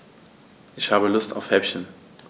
Ich habe Lust auf Häppchen.